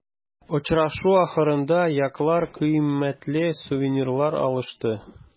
Очрашу ахырында яклар кыйммәтле сувенирлар алышты.